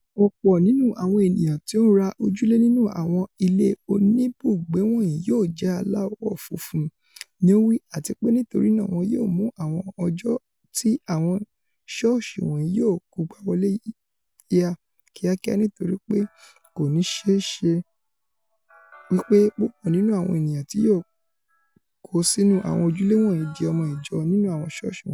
"Ọpọ nínú awọn eniyan ti o nra ojule nínú awọn ile onibugbe wọnyi yoo jẹ alawọ funfun," ni o wi, "atipe nitorinaa wọn yoo mu awọn ọjọ ti awọn sọọsi wọnyi yoo kogba wọle ya kiakia nitoripe koni ṣee ṣe wipe pupọ nínú awọn eniyan ti yoo ko sinu awọn ojule wọnyi di ọmo ijọ nínú awọn sọọsi wọnyi."